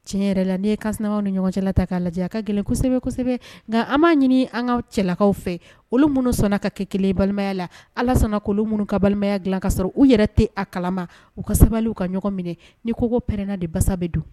Tiɲɛ yɛrɛ la n' ye ka sun ni ɲɔgɔncɛla ta k'a lajɛ a ka gɛlɛn kosɛbɛsɛbɛ nka an b'a ɲini an ka cɛlakaw fɛ olu minnu sɔnna ka kɛ kelen balimaya la ala sɔnna kolon minnu ka balimaya dilan ka sɔrɔ u yɛrɛ tɛ a kalama u ka sabali u ka ɲɔgɔn minɛ ni koko pɛrɛnna de basa bɛ don